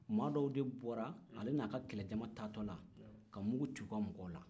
maa dɔw de bɔra ale n'a ka kɛlɛ cama taatɔla ka mugu ci u ka mɔgɔw la